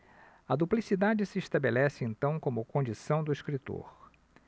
a duplicidade se estabelece então como condição do escritor